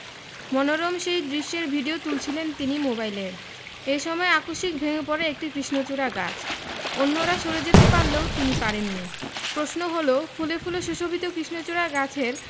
মনোরম সেই দৃশ্যের ভিডিও তুলছিলেন তিনি মোবাইলে এ সময় আকস্মিক ভেঙ্গে পড়ে একটি কৃষ্ণচূড়া গাছ অন্যরা সরে যেতে পারলেও তিনি পারেননি প্রশ্ন হলো ফুলে ফুলে সুশোভিত কৃষ্ণচূড়া গাছের